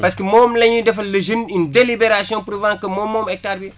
parce que moom la ñuy defal le jeune une délibération prouvant que moo moo hectare bii